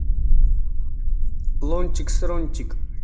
лунтик срунтик